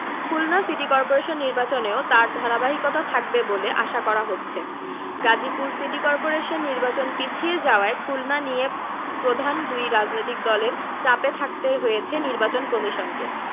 Khulna city corporation নির্বাচনেও তার ধারাবাহিকতা থাকবে বলে আশা করা হচ্ছে গাজীপুর সিটি করপোরেশন নির্বাচন পিছিয়ে যাওয়ায় খুলনা নিয়ে প্রধান দুই রাজনৈতিক দলের চাপে থাকতে হয়েছে নির্বাচন কমিশনকে